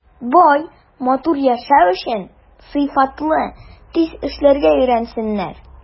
Бай, матур яшәү өчен сыйфатлы, тиз эшләргә өйрәнсеннәр.